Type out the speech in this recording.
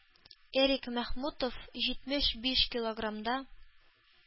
Эрик Мәхмүтов җитмеш биш килограммда